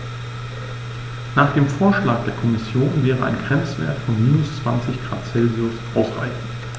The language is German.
Nach dem Vorschlag der Kommission wäre ein Grenzwert von -20 ºC ausreichend.